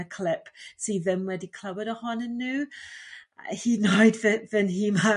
y clip sydd ddim wedi clywed ohonyn n'w hyd yn oed fy nhîm